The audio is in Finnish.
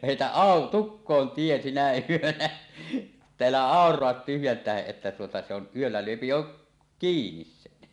heitä - tukkoon tie sinä yönä että älä auraa tyhjän tähden että tuota se on yöllä lyö jo kiinni sen